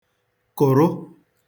kụ̀rụ